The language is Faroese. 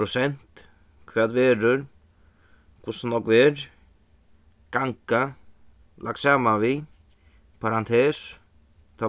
prosent hvat verður hvussu nógv er ganga lagt saman við parantes